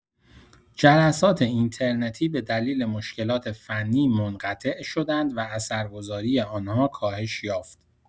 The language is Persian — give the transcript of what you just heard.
جلسات اینترنتی به دلیل مشکلات فنی منقطع شدند و اثرگذاری آن‌ها کاهش یافت.